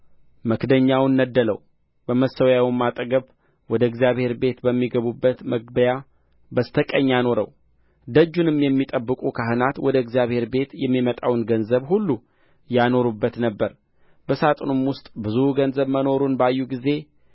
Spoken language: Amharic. መክደኛውን ነደለው በመሠዊያውም አጠገብ ወደ እግዚአብሔር ቤት በሚገቡበት መግቢያ በስተ ቀኝ አኖረው ደጁንም የሚጠብቁ ካህናት ወደ እግዚአብሔር ቤት የሚመጣውን ገንዘብ ሁሉ ያኖሩበት ነበር በሣጥንም ውስጥ ብዙ ገንዘብ መኖሩን ባዩ ጊዜ